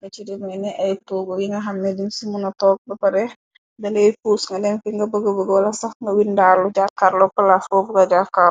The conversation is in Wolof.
ni cudemene ay toogu yi nga xamne din ci muna toog bapare dalay fuus nga denfi nga bëgbëg wala sax nga windaarlu jàkkaar loo plaas boobugajàakaaru.